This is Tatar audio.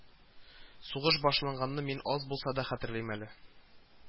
Сугыш башланганны мин аз булса да хәтерлим әле